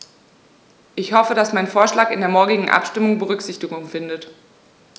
Ich hoffe, dass mein Vorschlag in der morgigen Abstimmung Berücksichtigung findet.